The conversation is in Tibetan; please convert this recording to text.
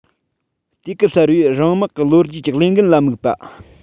དུས སྐབས གསར པའི རང དམག གི ལོ རྒྱུས ཀྱི ལས འགན ལ དམིགས པ